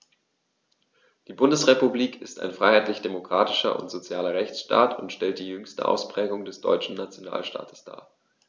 Die Bundesrepublik ist ein freiheitlich-demokratischer und sozialer Rechtsstaat und stellt die jüngste Ausprägung des deutschen Nationalstaates dar.